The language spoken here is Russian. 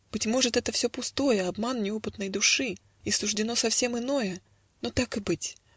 Быть может, это все пустое, Обман неопытной души! И суждено совсем иное. Но так и быть!